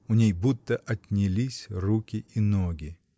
У ней будто отнялись руки и ноги.